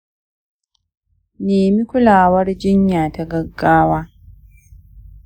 nemi kulawar jinya ta gaggawa